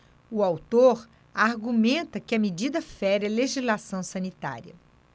o autor argumenta que a medida fere a legislação sanitária